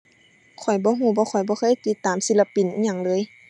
ข้อยบ่รู้เพราะข้อยบ่เคยติดตามศิลปินอิหยังเลย